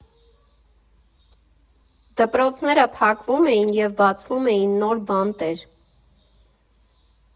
Դպրոցները փակվում էին և բացվում էին նոր բանտեր։